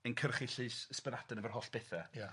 yn cyrchu llys Ysbaddaden efo'r holl betha. Ia.